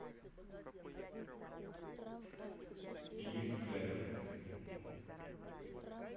денис клявер